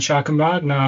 yn siarad Cymraeg 'na.